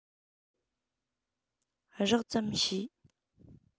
རགས ཙམ ཤེས